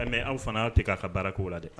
Aw fana' tɛ k'a ka baarako la dɛ